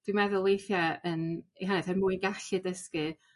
dwi meddwl weithiau yn er mwyn gallu addysgu